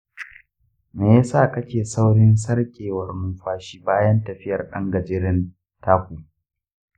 me yasa kake saurin sarƙewar numfashi bayan tafiyar ɗan gajeren taku?